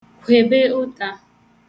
kwèbe ụta